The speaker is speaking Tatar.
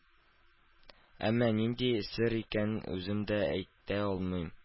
Әмма нинди сер икәнен үзем дә әйтә алмыйм